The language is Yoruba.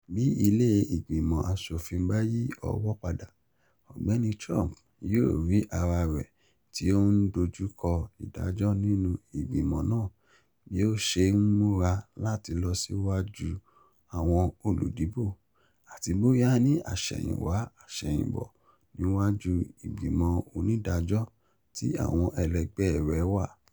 Bí Ilé Ìgbìmọ̀ Aṣòfin bá yí ọwọ́ padà, Ọ̀gbẹ́ni Trump yóò rí ara rẹ̀ tí ó ń dojú kọ ìdájọ́ nínú ìgbìmọ̀ náà, bí ó ṣe ń múra láti lọ síwájú àwọn olùdìbò, àti bóyá ní àsẹ̀yìnwá àsẹ̀yìnbò níwájú ìgbìmọ̀ onídàájọ́ tí àwọn ẹlẹgbẹ́ rẹ̀ wà.